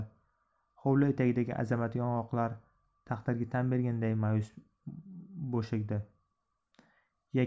hovli etagidagi azamat yong'oqlar taqdirga tan berganday ma'yus bo'shegdi